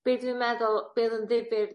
be' dwi'n meddwl bydd yn ddifyr...